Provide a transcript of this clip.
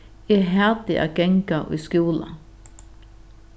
eg hati at ganga í skúla